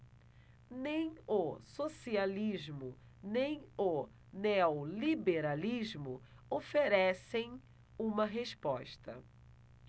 nem o socialismo nem o neoliberalismo oferecem uma resposta